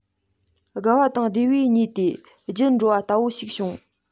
དགའ བ དང བདེ བས མྱོས ཏེ བརྒྱལ འགྲོ བ ལྟ བུ ཞིག བྱུང